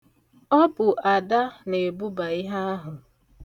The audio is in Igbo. Ọ bụ Ada na-ebuba ihe ahụ.